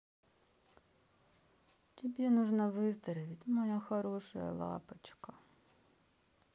тебе нужно выздороветь моя хорошая лапочка